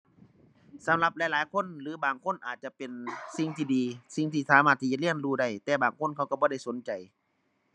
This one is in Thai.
สำหรับหลายหลายคน หรือบางคนอาจจะเป็นสิ่งที่ดี สิ่งที่สามารถที่สิเรียนรู้ได้ แต่บางคนเขาก็บ่ได้สนใจ